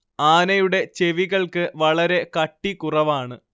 ആനയുടെ ചെവികൾക്ക് വളരെ കട്ടികുറവാണ്